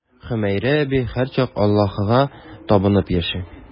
Хөмәйрә әби һәрчак Аллаһыга табынып яши.